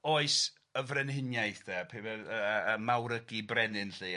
oes y frenhiniaid 'de pry- fe- yy yy y mawrygi brenin 'lly.